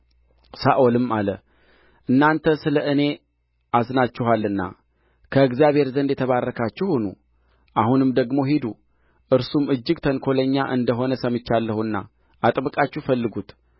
ሳኦልም አለ እናንተ ስለ እኔ አዝናችኋልና ከእግዚአብሔር ዘንድ የተባረካችሁ ሁኑ አሁንም ደግሞ ሂዱ እርሱም እጅግ ተንኰለኛ እንደ ሆነ ሰምቻለሁና አጥብቃችሁ ፈልጉት